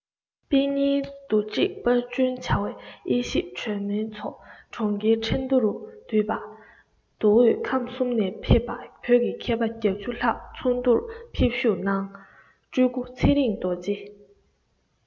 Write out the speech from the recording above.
དཔེ རྙིང བསྡུ སྒྲིག པར སྐྲུན བྱ བའི དབྱེ ཞིབ གྲོས མོལ ཚོགས གྲོང ཁྱེར ཁྲིན ཏུའུ རུ བསྡུས པ མདོ དབུས ཁམས གསུམ ནས ཕེབས པ བོད ཀྱི མཁས པ ༨༠ ལྷག ཚོགས འདུར ཕེབས ཞུགས གནང སྤྲུལ སྐུ ཚེ རིང རྡོ རྗེ